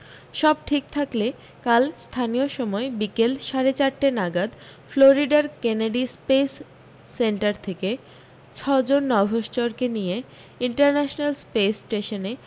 সব ঠিক থাকলে কাল স্থানীয় সময় বিকেল সাড়ে চারটে নাগাদ ফ্লোরিডার কেনেডি স্পেস সেন্টার থেকে ছজন নভশ্চরকে নিয়ে ইন্টারন্যাশনাল স্পেস স্টেশনে